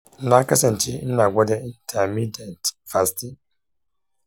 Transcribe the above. na kasance ina gwada intermittent fasting.